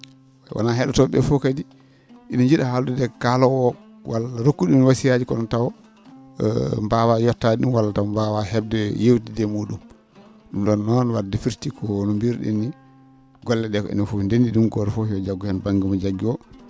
wonaa he?otoo?e ?ee fof kadi ina nji?a haaldude e kaaloowo o walla rokkude ?um wasiyaaji kono tawa mbaawaa yettaade ?um walla taw mbaawaa he?de yeewtidde e mu?um ?um ?oon noon wadde firti ko no mbiiru?en nii golle ?ee ko enen fof deenndi ?um gooto fof yo jaggu heen ba?ngge mo jaggi oo